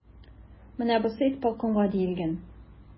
Менә бусы исполкомга диелгән.